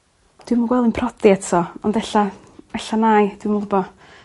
Dw'm yn gwel yn prodi eto ond ella ella nai. Dw'm yn gwbo.